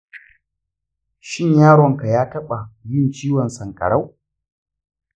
shin yaronka ya taɓa yin ciwon sankarau